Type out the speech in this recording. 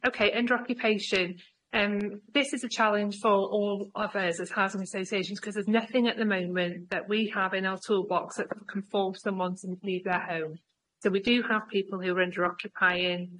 ok under occupation yym this is a challenge for all of us as housing associations cause there's nothing at the moment that we have in our toolbox that can force someone to leave their home so we do have people who are under occupying,